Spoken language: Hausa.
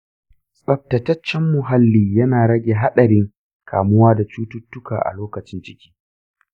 tsaftataccen muhalli yana rage haɗarin kamuwa da cututtuka a lokacin ciki.